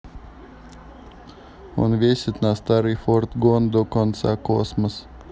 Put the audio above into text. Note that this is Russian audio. он весит на старый форд гондо конца космос